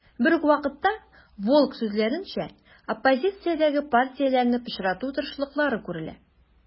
Берүк вакытта, Волк сүзләренчә, оппозициядәге партияләрне пычрату тырышлыклары күрелә.